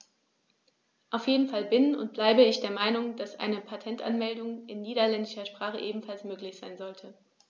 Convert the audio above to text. Auf jeden Fall bin - und bleibe - ich der Meinung, dass eine Patentanmeldung in niederländischer Sprache ebenfalls möglich sein sollte.